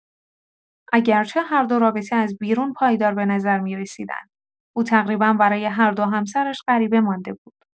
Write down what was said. اگرچه هر دو رابطه از بیرون پایدار به نظر می‌رسیدند، او تقریبا برای هر دو همسرش غریبه مانده بود.